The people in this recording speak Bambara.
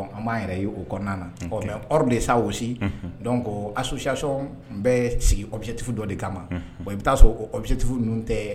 An b'a yɛrɛ y' o kɔnɔna na de sawo dɔn ko a susic n bɛ sigi obiyetisufu dɔ de kama ma i bɛ taa sɔrɔbiyesufu ninnu tɛ